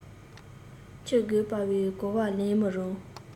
འཆི དགོས པའི གོ བ ལེན མི རུང